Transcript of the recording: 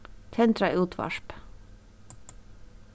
tendra útvarp